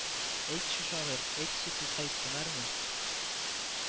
Әйтче, шагыйрь, әйтче, Тукай, сынармы